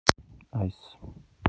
ice